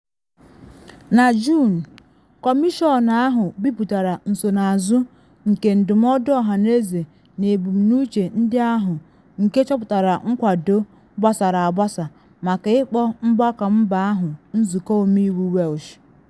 Na Juun, Kọmịshọn ahụ bipụtara nsonaazụ nke ndụmọdụ ọhaneze na ebumnuche ndị ahụ nke chọpụtara nkwado gbasara agbasa maka ịkpọ mgbakọ mba ahụ Nzụkọ Ọmeiwu Welsh.